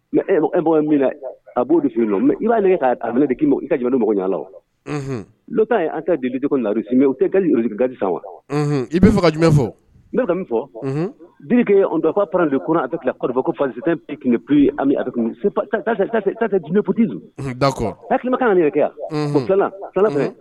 Mɛ e min a b'o de' la mɛ i b'aale k kaa minɛ k'i i ka jumɛn mɔgɔya la t' y ye anan ka deli cogo naaruurusimi o tɛ gadi wa i bɛ fɔ no ka min fɔ bikera de kɔnɔ a bɛ tila kɔrɔfɔ ko fazsi tɛ pkp amitɛ jumpti tilakan kan yɛrɛ kɛ yan tila